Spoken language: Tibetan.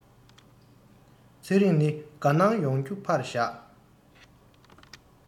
ཚེ རིང ནི དགའ སྣང ཡོང རྒྱུ ཕར བཞག